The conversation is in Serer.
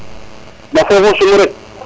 na fofo sumu rek